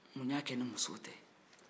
mun y'a kɛ ni musow tɛ